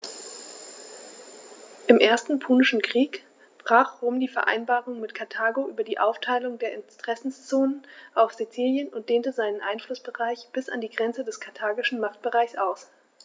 Im Ersten Punischen Krieg brach Rom die Vereinbarung mit Karthago über die Aufteilung der Interessenzonen auf Sizilien und dehnte seinen Einflussbereich bis an die Grenze des karthagischen Machtbereichs aus.